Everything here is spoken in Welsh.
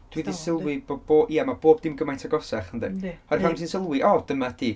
Dwi 'di sylwi bo' bob... ie mae bob dim gymaint agosach yndi? Oherwydd pan ti'n sylwi, o dyma 'di...